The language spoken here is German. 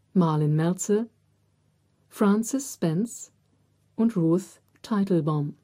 Marlyn Meltzer, Frances Spence und Ruth Teitelbaum